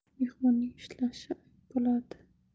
mehmonning ishlashi ayb bo'ladi